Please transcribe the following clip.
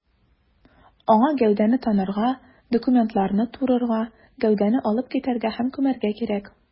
Аңа гәүдәне танырга, документларны турырга, гәүдәне алып китәргә һәм күмәргә кирәк.